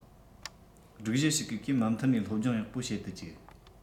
སྒྲིག གཞི ཞིག གིས ཁོས མུ མཐུད ནས སློབ སྦྱོང ཡག པོ བྱེད དུ བཅུག